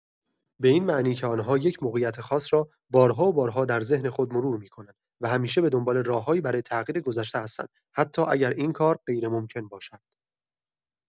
به این معنی که آن‌ها یک موقعیت خاص را بارها و بارها در ذهن خود مرور می‌کنند و همیشه به دنبال راه‌هایی برای تغییر گذشته هستند، حتی اگر این کار غیرممکن باشد.